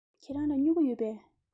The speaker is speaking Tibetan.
ཁྱེད རང ལ སྨྱུ གུ ཡོད པས